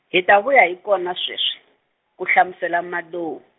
hi ta vuya hi kona sweswi, ku hlamusela Madou.